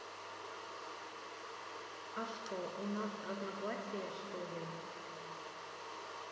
а что у нас разногласия что ли